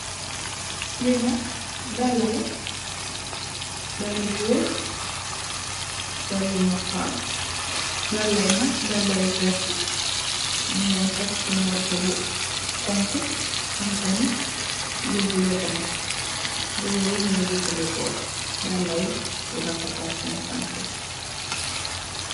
Li nak daala la daali goor daali mukass daala nak daala yu verta nyun len tek si morsu bu xonxu am tamit lu bulu tamit goori nyoi jefandeko pul refetal seen sancex.